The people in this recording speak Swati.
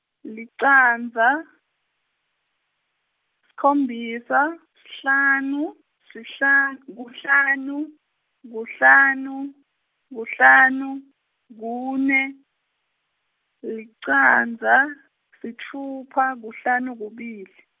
licandza, sikhombisa, sihlanu, sihlan-, kuhlanu, kuhlanu, kuhlanu, kune, licandza, sitfupha, kuhlanu, kubili.